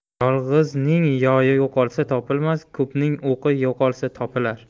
yolg'izning yoyi yo'qolsa topilmas ko'pning o'qi yo'qolsa topilar